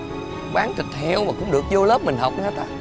bán thịt heo mà cũng được dô lớp mình học hả ta